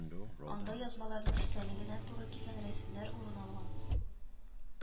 Анда язмаларның эчтәлегенә туры килгән рәсемнәр урын алган